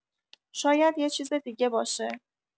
شاید یه چیز دیگه باشه